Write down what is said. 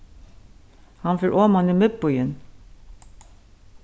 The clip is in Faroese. hann fer oman í miðbýin